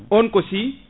on ko si